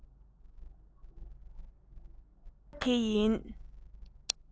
འཛུགས ས དེ ཡིན